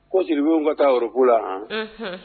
Ko sigilenw ka taa yɔrɔugu la